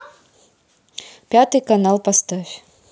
пятый канал поставь